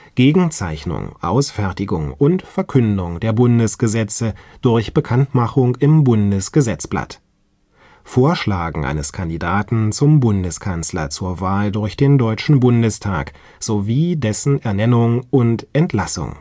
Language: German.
Gegenzeichnung, Ausfertigung und Verkündung der Bundesgesetze durch Bekanntmachung im Bundesgesetzblatt, Vorschlagen eines Kandidaten zum Bundeskanzler zur Wahl durch den Deutschen Bundestag sowie dessen Ernennung und Entlassung